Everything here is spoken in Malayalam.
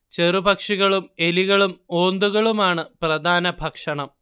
ചെറു പക്ഷികളും എലികളും ഓന്തുകളുമാണ് പ്രധാന ഭക്ഷണം